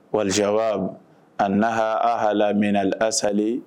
Wasaba a naha a haaala mɛ asali